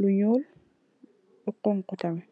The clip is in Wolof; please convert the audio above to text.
lu ñuul ak xonxu tamit.